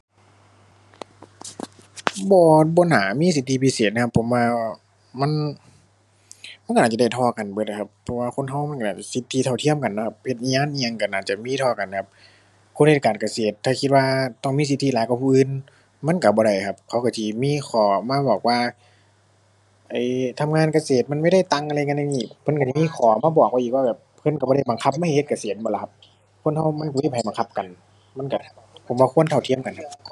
บ่ บ่น่ามีสิทธิพิเศษนะครับผมว่า มัน มันน่าจะได้เท่ากันเบิดละครับ เพราะว่าคนเรามันเราสิทธิเท่าเทียมกันเนาะครับ เพศอิหยังอิหยังเราน่าจะมีเท่ากันนะครับ คนเฮ็ดการเกษตรถ้าคิดว่าต้องมีสิทธิหลายกว่าผู้อื่นมันเราบ่ได้ครับ เขาเราจิมีข้อมาบอกว่า ไอ้ ทำการเกษตรมันไม่ได้ตังอะไรกันยังงี้ เพิ่นเราสิมีข้อมาบอกว่าอีกว่าแบบเพิ่นเราบ่ได้บังคับมาเฮ็ดเกษตรแม่นบ่ละครับ คนเรามันเราบ่มีไผบังคับกัน มันเราผมว่าควรเท่าเทียมกันครับ